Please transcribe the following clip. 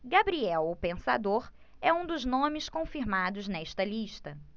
gabriel o pensador é um dos nomes confirmados nesta lista